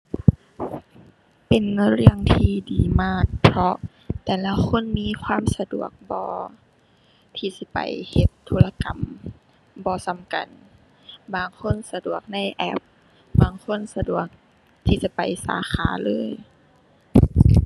เป็นเรื่องที่ดีมาก เพราะแต่ละคนมีความสะดวกบ่ ที่สิไปเฮ็ดธุรกรรมบ่ส่ำกัน บางคนสะดวกในแอป บางคนสะดวกที่จะไปสาขาเลย